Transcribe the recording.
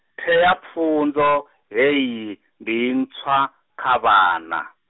theapfunzo, hei, ndi ntswa, kha vhana.